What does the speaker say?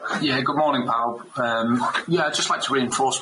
Ia good morning pawb yym ie I'd just like to reinforce